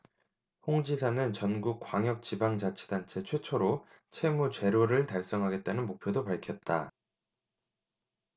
홍 지사는 전국 광역지방자치단체 최초로 채무 제로를 달성하겠다는 목표도 밝혔다